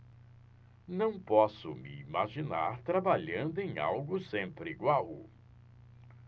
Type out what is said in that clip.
não posso me imaginar trabalhando em algo sempre igual